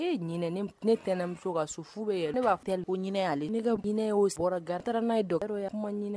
Ne ye ne tɛnɛnmuso ka su furu ye ne b'a fɛ ko ɲinɛ ale ne kainɛ o sɔrɔ gata n'a dɔn kuma